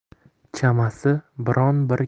chamasi biron bir